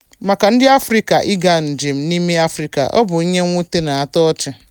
Maka ndị Afrịka ịga njem n'ime Afrịka: bụ ihe mwute na-atọ ọchị.